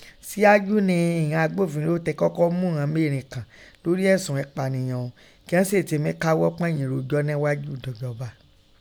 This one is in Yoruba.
Síaju nẹ ìghọn agbófiró tẹ kọ́kọ́ mu ìghọn mêrin kàn lórí ẹsun ẹ̀paniyan ọ̀ún, kíghọ́n sè ti mí kághọ́ pọ̀nyìn rojọ nẹ́ghaju adajọ.